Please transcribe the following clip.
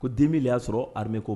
Ko 2000 y'a sɔrɔ armée ko